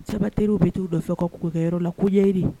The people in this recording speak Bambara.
Souvent teriw bɛ t'u nɔfɛ u ka kunkokɛyɔrɔw la koɲɛɲini